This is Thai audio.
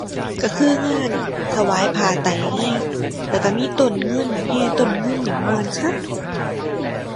ก็คืองานถวายผ้าไตรไง แล้วก็มีต้นเงินแห่ต้นเงินนี่ม่วนคัก